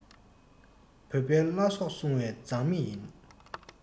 བོད པའི བླ སྲོག སྲུང བའི མཛངས མི ཡིན